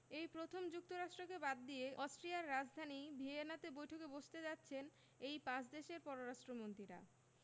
এই প্রথম যুক্তরাষ্ট্রকে বাদ দিয়ে অস্ট্রিয়ার রাজধানী ভিয়েনাতে বৈঠকে বসতে যাচ্ছেন এই পাঁচ দেশের পররাষ্ট্রমন্ত্রীরা